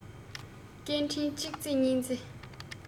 སྐད འཕྲིན གཅིག རྩེ གཉིས རྩེ